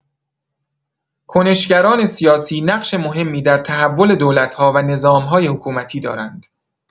کنش‌گران سیاسی نقش مهمی در تحولات دولت‌ها و نظام‌های حکومتی دارند.